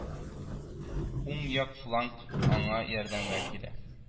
Уң як фланг аңа ярдәмгә килә